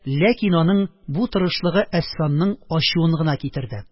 Ләкин аның бу тырышлыгы әсфанның ачуын гына китерде